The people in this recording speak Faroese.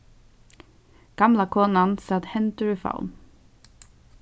gamla konan sat hendur í favn